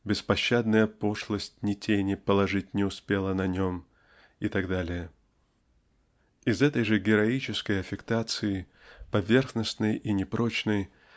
Беспощадная пошлость ни тени Положить не успела на нем и т. д. Из этой же героической аффектации поверхностной и непрочной